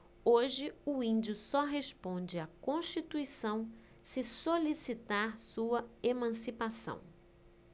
hoje o índio só responde à constituição se solicitar sua emancipação